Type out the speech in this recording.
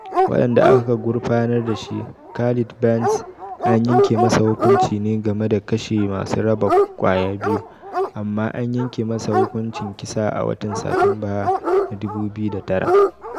Wanda aka gurfanar da shi, Khalid Barnes, an yanke masa hukunci ne game da kashe masu raba kwaya biyu, amma an yanke masa hukuncin kisa a watan Satumba na 2009.